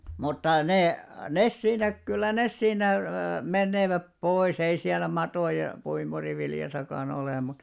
mutta ne ne siinä kyllä ne siinä menevät pois ei siellä matoja puimuriviljassakaan ole mutta